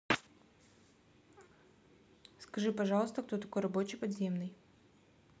скажи пожалуйста кто такой рабочий подземный